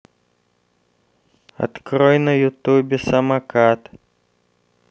открой на ютубе самокат